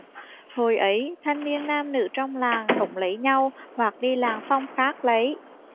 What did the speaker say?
hồi ấy thanh niên nam nữ trong làng cũng lấy nhau hoặc đi làng phong khác lấy